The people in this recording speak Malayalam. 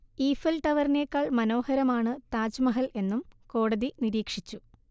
ഈഫൽ ടവറിനെക്കാൾ മനോഹരമാണ് താജ്മഹൽ എന്നും കോടതി നിരീക്ഷിച്ചു